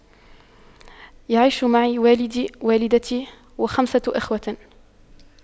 يعيش معي والدي والدتي وخمسة إخوة